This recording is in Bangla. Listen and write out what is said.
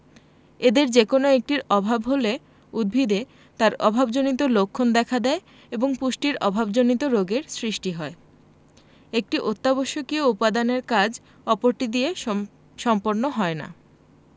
এদের যেকোনো একটির অভাব হলে উদ্ভিদে তার অভাবজনিত লক্ষণ দেখা দেয় এবং পুষ্টির অভাবজনিত রোগের সৃষ্টি হয় একটি অত্যাবশ্যকীয় উপাদানের কাজ অপরটি দিয়ে সম্পন্ন হয় না